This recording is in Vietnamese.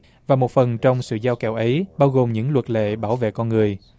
và một phần trong sự giao kèo ấy bao gồm những luật lệ bảo vệ con người